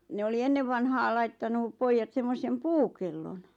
ne oli ennen vanhaan laittanut pojat semmoisen puukellon